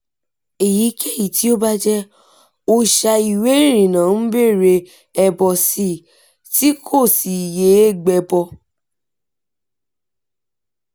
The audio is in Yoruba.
Èyí kéyìí tí ò báà jẹ́, òòsà ìwé ìrìnnà ń béèrè ẹbọ sí i, tí kò sì yé é gbẹbọ.